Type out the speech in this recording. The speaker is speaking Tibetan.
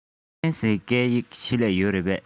ཧྥ རན སིའི སྐད ཡིག ཆེད ལས ཡོད རེད པས